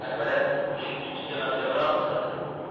akbara uning pinjiga mahkamroq tiqildi